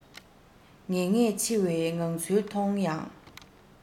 ངེས ངེས འཆི བའི ངང ཚུལ མཐོང ཡང